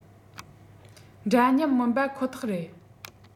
འདྲ མཉམ མིན པ ཁོ ཐག རེད